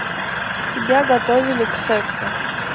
тебя готовили к сексу